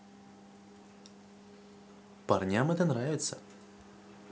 парням это нравится